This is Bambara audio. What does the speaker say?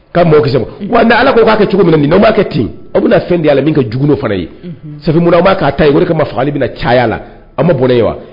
Ka mɔkisɛ wa ala ko b'a kɛ cogo min na b'a kɛ tenin aw bɛ na fɛn di ala min ka jugu dɔ fana ye sabu aw b'a' ta ye o ma fagali bɛna na caya la an ma boli ye wa